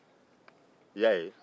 i y'a ye